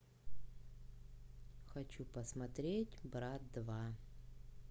хочу посмотреть брат два